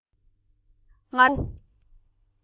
ང ཚོ སྤུན མཆེད གསུམ པོ